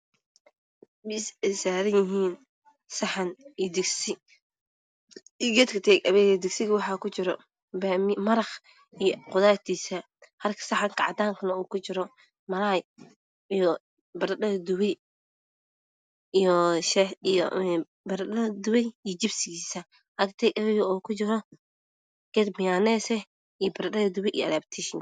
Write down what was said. Miis aysaaran yihiin saxan iyo disdi labada disdi waxakujira maraq halka saxanka cadaankaana uuku jiro malaay naradho ladubay